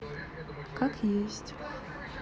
как есть